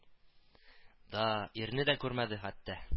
Да, ирне дә күрмәде, хәтта